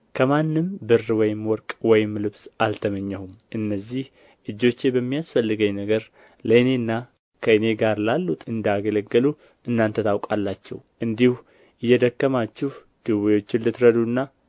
ከማንም ብር ወይም ወርቅ ወይም ልብስ አልተመኘሁም እነዚህ እጆቼ በሚያስፈልገኝ ነገር ለእኔና ከእኔ ጋር ላሉት እንዳገለገሉ እናንተ ታውቃላችሁ እንዲሁ እየደከማችሁ ድውዮችን ልትረዱና